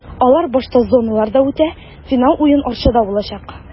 Алар башта зоналарда үтә, финал уен Арчада булачак.